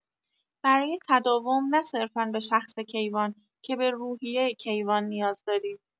برای تداوم نه صرفا به شخص کیوان که به روحیه کیوان نیاز داریم.